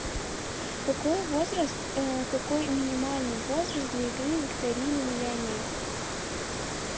какой возраст какой минимальный возраст для игры викторины миллионера